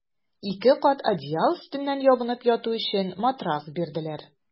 Ике кат одеял өстеннән ябынып яту өчен матрас бирделәр.